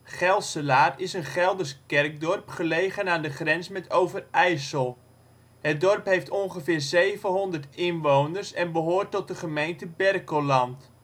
Gelselaar is een Gelders kerkdorp gelegen aan de grens met Overijssel. Het dorp heeft ongeveer 700 inwoners en behoort tot de gemeente Berkelland